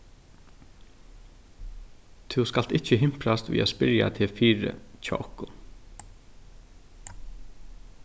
tú skalt ikki himprast við at spyrja teg fyri hjá okkum